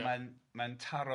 a mae'n mae'n taro